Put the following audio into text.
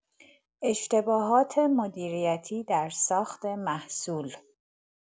اشتباهات مدیریتی در ساخت محصول